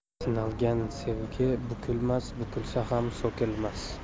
sinalgan sevgi bukilmas bukilsa ham so'kilmas